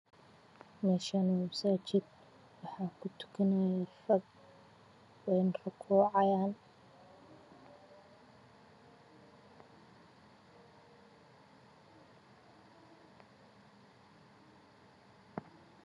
Meeshaan waa masaajid waxaa kutukanaayo dad oo rakuucaayo.